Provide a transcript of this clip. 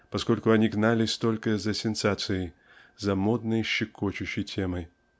поскольку они гнались только за сенсацией за модной щекочущей темой.